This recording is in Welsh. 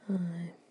O ie.